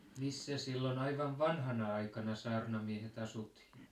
missä silloin aivan vanhana aikana saarnamiehet asuttiin